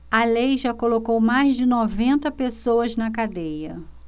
a lei já colocou mais de noventa pessoas na cadeia